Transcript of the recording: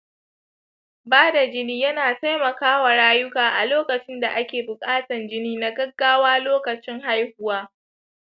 bada jini yana taimakawa rayuka a lokacin da ake bukatan jini na gaggawa lokacin haihuwa.